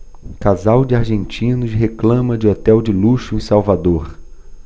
casal de argentinos reclama de hotel de luxo em salvador